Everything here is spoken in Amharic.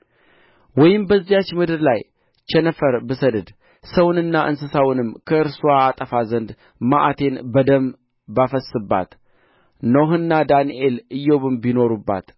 ወይም በዚያች ምድር ላይ ቸነፈር ብሰድድ ሰውንና እንስሳውንም ከእርስዋ አጠፋ ዘንድ መዓቴን በደም ባፈስስባት ኖኅና ዳንኤል ኢዮብም ቢኖሩባት